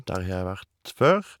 Der har jeg vært før.